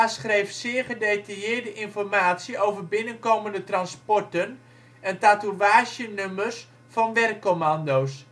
schreef zeer gedetailleerde informatie over binnenkomende transporten en tatoeagenummers van werkkommando 's